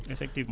effectivement